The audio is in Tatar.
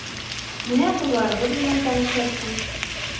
Менә кызларыбыз белән танышырсың...